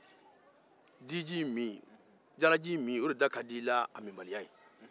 jalaji in minn da ka di i la a minbaliya